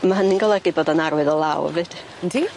Ma' hynny'n golygu bod o'n arwydd o law efyd. Yndi?